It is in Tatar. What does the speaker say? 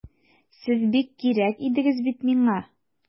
Сез бик кирәк идегез бит миңа!